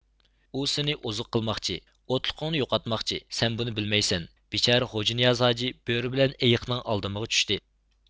ئۇ سېنى ئوزۇق قىلماقچى ئوتلۇقۇڭنى يوقاتماقچى سەن بۇنى بىلمەيسەن بىچارە غوجانىياز ھاجى بۆرە بىلەن ئېيىقنىڭ ئالدىمىغا چۈشتى